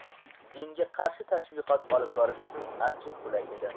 dinga qarshi tashviqot olib borish uchun ancha qulay edi